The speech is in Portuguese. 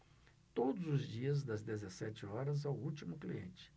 todos os dias das dezessete horas ao último cliente